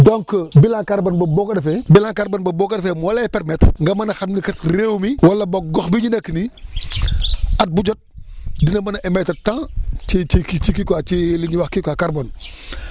donc bilan carbone boobu boo ko defee bilan carbone boobu boo ko defee moo lay permettre nga mën a xam ni kat réew mi wala boog gox bi ñu nekk nii at bu jot dina mën a émettre tant ci ci ci kii quoi ci li ñuy wax kii quoi carbone